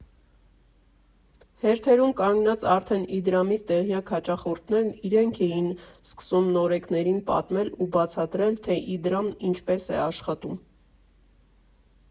Հերթերում կանգնած արդեն Իդրամից տեղյակ հաճախորդներն իրենք էին սկսում նորեկներին պատմել ու բացատրել, թե Իդրամն ինչպես է աշխատում։